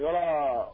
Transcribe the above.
voilà